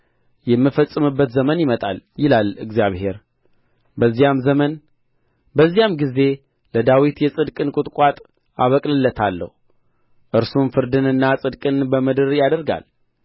የምፈጽምበት ዘመን ይመጣል ይላል እግዚአብሔር በዚያም ዘመን በዚያም ጊዜ ለዳዊት የጽድቅን ቍጥቋጥ አበቅልለታለሁ እርሱም ፍርድንና ጽድቅን በምድር ያደርጋል